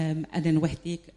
yrm yn enwedig